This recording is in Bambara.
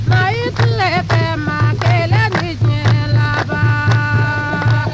maa y'i tile kɛ maa kelen tɛ diɲɛ laban